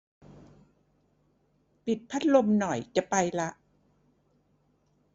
ปิดพัดลมหน่อยจะไปละ